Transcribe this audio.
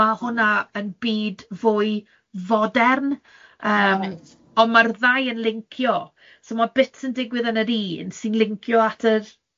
ma' hwnna yn byd fwy fodern yym... O reit ...ond ma'r ddau yn lincio, so ma' bits yn digwydd yn yr un sy'n lincio at yr